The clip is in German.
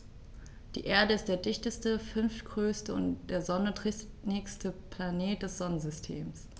Die Erde ist der dichteste, fünftgrößte und der Sonne drittnächste Planet des Sonnensystems.